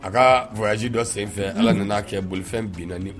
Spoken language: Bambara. A ka wsi dɔ senfɛ ala nana kɛ bolifɛn binna